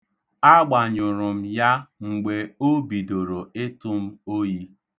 Agbanyụrụ m ya mgbe o bidoro ịtụ m oyi.